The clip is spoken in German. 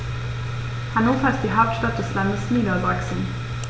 Hannover ist die Hauptstadt des Landes Niedersachsen.